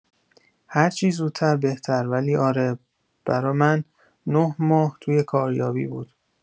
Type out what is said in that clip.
هر چه زودتر بهتر ولی آره برا من ۹ ماه توی کاریابی بود!